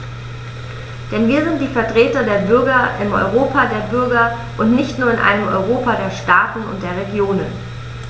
Denn wir sind die Vertreter der Bürger im Europa der Bürger und nicht nur in einem Europa der Staaten und der Regionen.